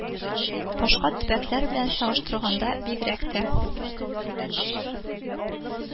Башка төбәкләр белән чагыштырганда бигрәк тә